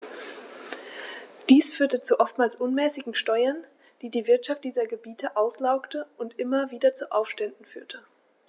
Dies führte zu oftmals unmäßigen Steuern, die die Wirtschaft dieser Gebiete auslaugte und immer wieder zu Aufständen führte.